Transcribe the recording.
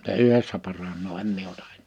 se yhdessä paranee en minä ota en